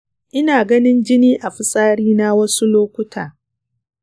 ina ganin jini a fitsari na wasu lokuta.